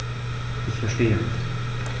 Ich verstehe nicht.